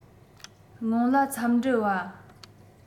སྔོན ལ འཚམས འདྲི པ